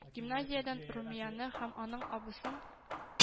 Гимназиядән Румияне һәм аның абысын